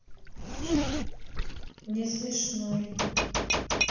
не смешной